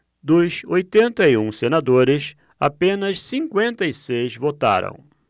dos oitenta e um senadores apenas cinquenta e seis votaram